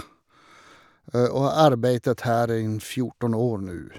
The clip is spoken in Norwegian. Og har arbeidet her i en fjorten år nå.